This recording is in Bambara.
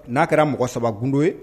N'a kɛra mɔgɔ saba kunundo ye